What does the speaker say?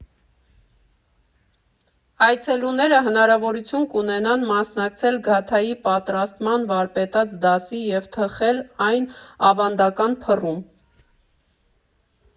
Այցելուները հնարավորություն կունենան մասնակցել գաթայի պատրաստման վարպետաց դասի և թխել այն ավանդական փռում։